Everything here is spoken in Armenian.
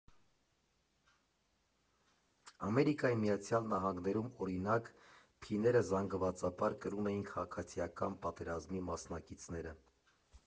Ամերիկայի Միացյալ Նահանգներում, օրինակ, փիները զանգվածաբար կրում էին Քաղաքացիական պատերազմի մասնակիցները.